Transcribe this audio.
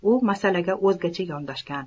u masalaga o'zgacha yondashgan